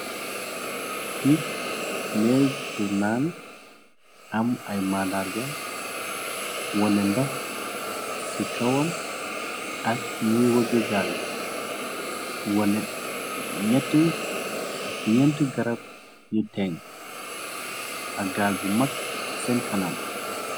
Pik méew bu naan am ay mandarga wane ndox ci kawam ak ñuy wëgg gaal bi wane ak nyenti garab yu teg ak gaal bu mag seen kanam.